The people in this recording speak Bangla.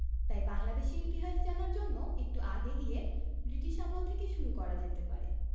তাই বাংলাদেশের ইতিহাস জানার জন্যও একটু আগে গিয়ে ব্রিটিশ আমল থেকে শুরু করা যেতে পারে